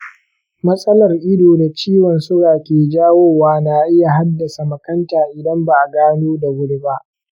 matsalar ido da ciwon suga ke jawowa na iya haddasa makanta idan ba a gano ta da wuri ba.